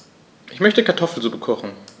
Ich möchte Kartoffelsuppe kochen.